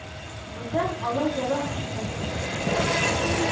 Бүтән алай дәвам итмәсен дип